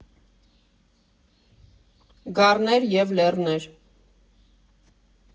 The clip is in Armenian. Գառներ և լեռներ։